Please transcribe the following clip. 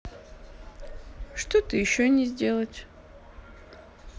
что то еще не сделать